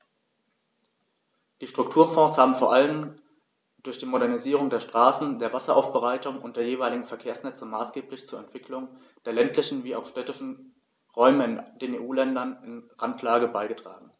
Die Strukturfonds haben vor allem durch die Modernisierung der Straßen, der Wasseraufbereitung und der jeweiligen Verkehrsnetze maßgeblich zur Entwicklung der ländlichen wie auch städtischen Räume in den EU-Ländern in Randlage beigetragen.